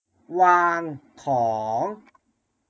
วางของ